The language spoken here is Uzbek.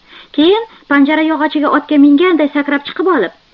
keyin panjara yog'ochiga otga minganday sakrab chiqib olib